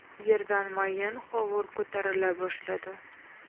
yerdan mayin hovur ko'tarila boshladi